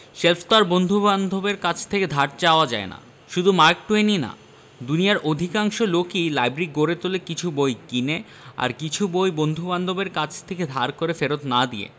shelf তো আর বন্ধুবান্ধবের কাছ থেকে ধার চাওয়া যায় না শুধু মার্ক টুয়েনই না দুনিয়ার অধিকাংশ লোকই লাইব্রেরি গড়ে তোলে কিছু বই কিনে আর কিছু বই বন্ধুবান্ধবের কাছ থেকে ধার করে ফেরত্ না দিয়ে